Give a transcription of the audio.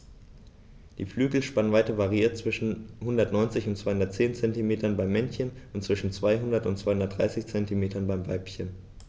Die Flügelspannweite variiert zwischen 190 und 210 cm beim Männchen und zwischen 200 und 230 cm beim Weibchen.